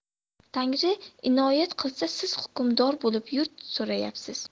tangri inoyat qilsa siz hukmdor bo'lib yurt so'ragaysiz